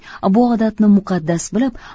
bu odatni muqaddas bilib